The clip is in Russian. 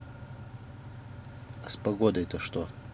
а с погодой то что